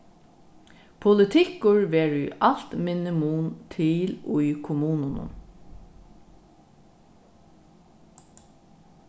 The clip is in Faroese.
politikkur verður í alt minni mun til í kommununum